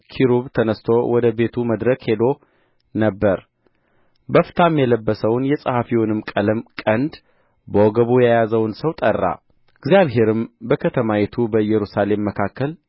ኪሩብ ተነሥቶ ወደ ቤቱ መድረክ ሄዶ ነበር በፍታም የለበሰውን የጸሐፊውንም ቀለም ቀንድ በወገቡ የያዘውን ሰው ጠራ እግዚአብሔርም በከተማይቱ በኢየሩሳሌም መካከል